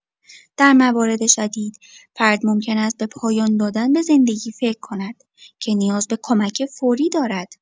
در موارد شدید، فرد ممکن است به پایان دادن به زندگی فکر کند که نیاز به کمک فوری دارد.